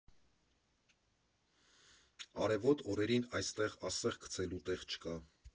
Արևոտ օրերին այստեղ ասեղ գցելու տեղ չկա.